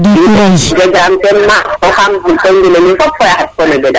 jegam ten maak kam fi bo mbine mi fop a xet fo nebedaay